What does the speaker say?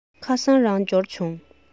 ཁ སང རང འབྱོར བྱུང